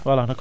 voilà